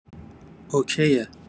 اوکیه